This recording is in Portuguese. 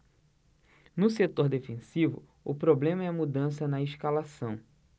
no setor defensivo o problema é a mudança na escalação